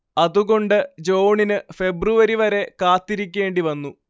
അതുകൊണ്ട് ജോണിന് ഫെബ്രുവരി വരെ കാത്തിരിക്കേണ്ടിവന്നു